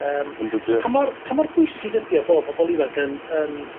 yym yndw dwi yn.... pa mor... pa mor bwysig ydi o bod pobol ifanc yn... yn